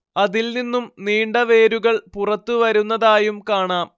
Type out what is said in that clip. അതിൽ നിന്നും നീണ്ട വേരുകൾ പുറത്തു വരുന്നതായും കാണാം